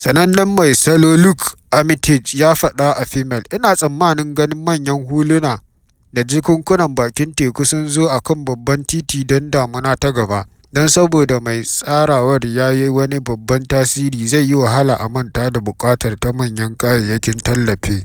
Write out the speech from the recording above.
Sanannen mai salo Luke Armitage ya fada a FEMAIL: ‘Ina tsammanin ganin manyan huluna da jakakkunan bakin teku sun zo a kan babban titi don damuna ta gaba - don saboda mai tsarawar ya yi wani babban tasiri zai yi wahala a manta da buƙatar ta manyan kayayyakin tallafin.’